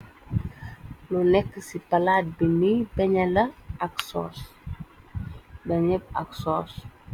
Lu nekk si plat bi nii , benyeh la , ak soss , benyeh , ak soss.